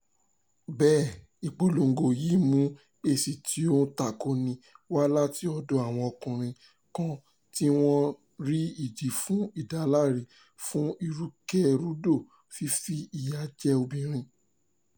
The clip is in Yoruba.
Bẹ́ẹ̀, ìpolongo yìí mú èsì tí ó ń takoni wá láti ọ̀dọ̀ àwọn ọkùnrin kan tí wọ́n rí ìdí fún ìdáláre fún ìrúkèrúdò fífi ìyà jẹ obìnrin.